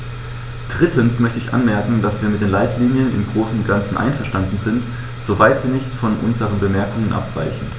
Drittens möchte ich anmerken, dass wir mit den Leitlinien im großen und ganzen einverstanden sind, soweit sie nicht von unseren Bemerkungen abweichen.